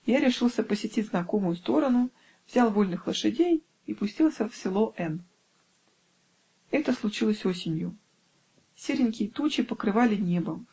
Я решился посетить знакомую сторону, взял вольных лошадей и пустился в село Н. Это случилось осенью. Серенькие тучи покрывали небо